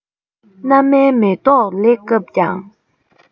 སྣ མའི མེ ཏོག ལེགས བཀབ ཀྱང